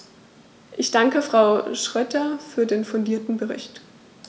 Ich danke Frau Schroedter für den fundierten Bericht.